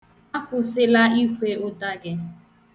Akwụsịla ikwe ụta gị.